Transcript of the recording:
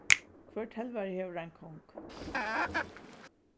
hvør telvari hevur ein kong